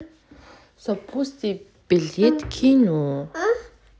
запусти билеты кино